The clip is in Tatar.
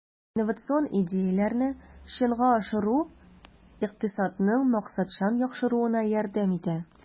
Инновацион идеяләрне чынга ашыру икътисадның максатчан яхшыруына ярдәм итә.